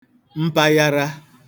mpayara